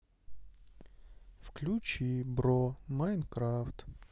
включи бро майнкрафт